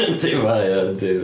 Yndi mae o yndi.